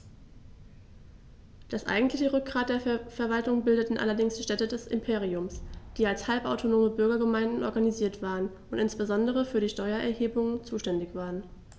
Das eigentliche Rückgrat der Verwaltung bildeten allerdings die Städte des Imperiums, die als halbautonome Bürgergemeinden organisiert waren und insbesondere für die Steuererhebung zuständig waren.